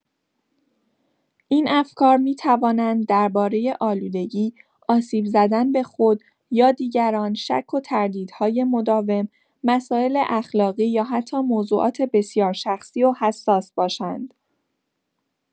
این افکار می‌توانند درباره آلودگی، آسیب زدن به خود یا دیگران، شک و تردیدهای مداوم، مسائل اخلاقی یا حتی موضوعات بسیار شخصی و حساس باشند.